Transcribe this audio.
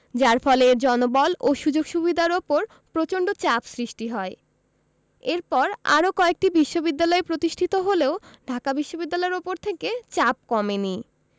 যার ফলে এর জনবল ও সুযোগ সুবিধার ওপর প্রচন্ড চাপ সৃষ্টি হয় এরপর আরও কয়েকটি বিশ্ববিদ্যালয় প্রতিষ্ঠিত হলেও ঢাকা বিশ্ববিদ্যালয়ের ওপর থেকে চাপ কমেনি